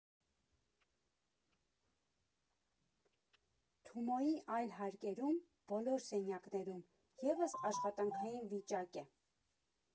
Թումոյի այլ հարկերում՝ բոլոր սենյակներում ևս աշխատանքային վիճակ է։